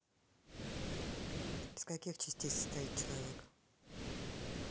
из каких частей состоит человек